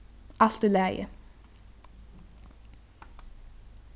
alt í lagi